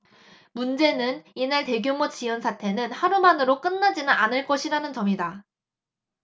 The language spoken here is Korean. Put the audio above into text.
문제는 이날 대규모 지연 사태는 하루만으로 끝나지는 않을 것이라는 점이다